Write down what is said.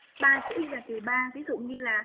ba chữ là từ ba ví dụ như là